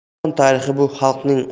jahon tarixi bu xalqning